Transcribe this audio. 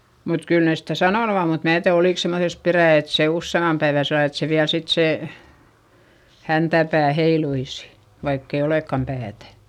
mutta kyllä ne sitä sanonut on mutta minä tiedä oliko semmoisessa perää että se useamman päivän sillä lailla että se vielä sitten se häntäpää heiluisi vaikka ei olekaan päätä